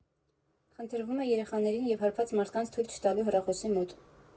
Խնդրվում է երեխաներին և հարբած մարդկանց թույլ չտալու հեռախոսի մոտ։